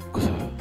Sɔn